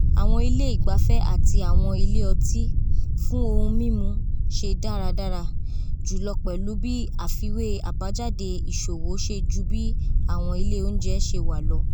Àwọn ilé ìgbafẹ́ àti àwọn ilé ọtí fún ohun-mímu ṣe dáradára jùlọ pẹ̀lu bí àfiwé àbájáàde ìṣòwò ṣe ju bí àwọn ilé óùnjẹ ṣe wá lọ.